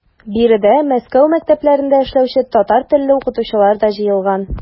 Биредә Мәскәү мәктәпләрендә эшләүче татар телле укытучылар да җыелган.